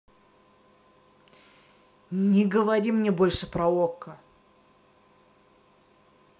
не говори мне больше про okko